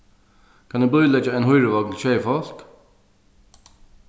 kann eg bíleggja ein hýruvogn til sjey fólk